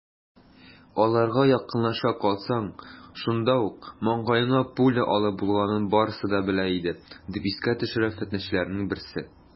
Аларга якынлаша калсаң, шунда ук маңгаеңа пуля алып булганын барысы да белә иде, - дип искә төшерә фетнәчеләрнең берсе.